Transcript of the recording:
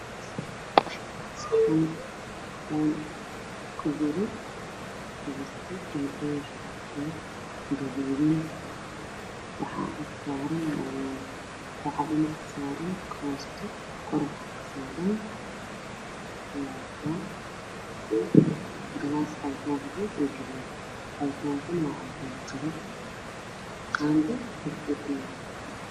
Waxa ay muuqda miis ay saaran tahay baasto ay ku jirto weel waxaa kaloo ay muuqda koob ay dhar ah oo ku jiro cabitaan guduud ah dhulka waa mutareen